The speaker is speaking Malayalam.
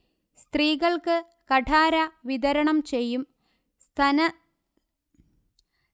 സ്ത്രീകള്ക്ക് കഠാര വിതരണം ചെയ്യും